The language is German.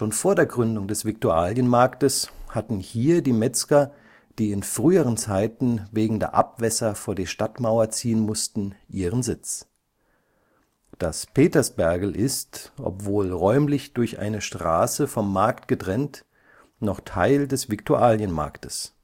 vor der Gründung des Viktualienmarktes hatten hier die Metzger, die in früheren Zeiten wegen der Abwässer vor die Stadtmauer ziehen mussten, ihren Sitz. Das Petersbergl ist, obwohl räumlich durch eine Straße vom Markt getrennt, noch Teil des Viktualienmarktes